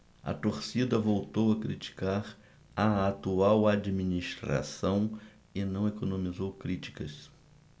a torcida voltou a criticar a atual administração e não economizou críticas